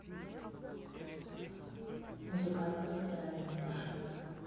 музыкальная стиральная машина